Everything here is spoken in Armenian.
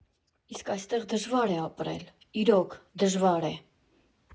Իսկ այստեղ դժվար է ապրել, իրոք, դժվար է։